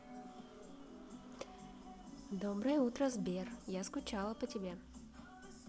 доброе утро сбер я скучала по тебе